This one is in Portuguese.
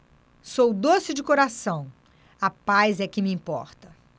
sou doce de coração a paz é que me importa